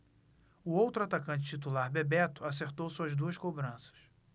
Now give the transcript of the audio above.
o outro atacante titular bebeto acertou suas duas cobranças